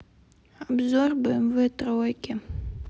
обзор бмв тройки